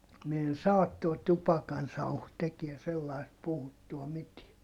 minä en saa tuo tupakansauhu tekee sellaista puhuttua mitään